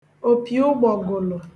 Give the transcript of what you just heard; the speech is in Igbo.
opìụgbọgụlụ